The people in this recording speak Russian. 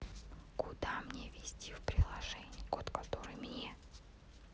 куда мне ввести в приложении кот который мне